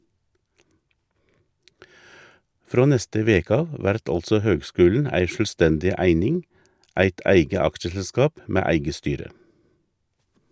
Frå neste veke av vert altså høgskulen ei sjølvstendig eining, eit eige aksjeselskap med eige styre.